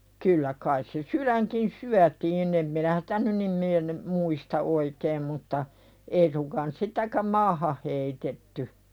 kyllä kai se sydänkin syötiin en minä sitä nyt niin mieleeni muista oikein mutta ei suinkaan sitäkään maahan heitetty